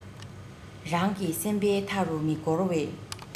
རང གི སེམས པའི མཐའ རུ མི སྐོར བའི